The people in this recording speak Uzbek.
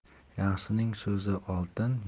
yaxshining so'zi oltin